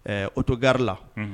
Ɛɛ oto garir la